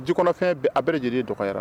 Ji kɔnɔfɛn a bɛ lajɛlen dɔgɔyara